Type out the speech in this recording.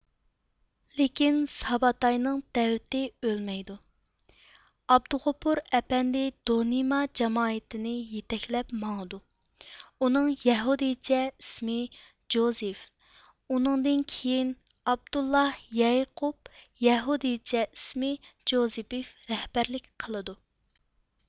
لېكىن ساباتاينىڭ دەۋىتى ئۆلمەيدۇ ئابدۇغوپۇر ئەپەندى دونىما جامائىتىنى يېتەكلەپ ماڭىدۇ ئۇنىڭ يەھۇدىيچە ئىسمى جوزىيف ئۇنىڭدىن كېيىن ئابدۇللاھ يەئىقۇب يەھۇدىيچە ئىسمى جوزىبف رەھبەرلىك قىلىدۇ